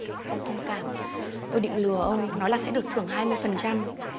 ông thông cảm tôi định lừa ông nói là sẽ được thưởng phần trăm